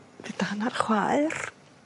fy' dy hannar chwaer